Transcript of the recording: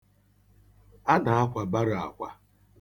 A na-akwa baro akwa.